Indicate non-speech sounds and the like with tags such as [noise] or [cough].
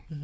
[hesitation] [hesitation]